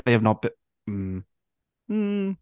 They have not be- Mm. Hmm?